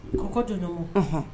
Ko kɔjɔɲɔgɔn hhɔn